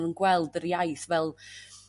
odda n'w'n gweld yr iaith fel